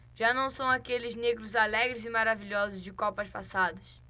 já não são aqueles negros alegres e maravilhosos de copas passadas